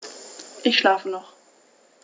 Ich schlafe noch.